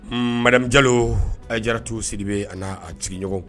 Marada jalo jaratu si de bɛ a'a sigiɲɔgɔn